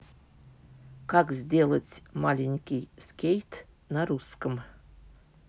как сделать маленький скейт на русском